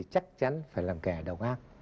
thì chắc chắn phải làm kẻ độc ác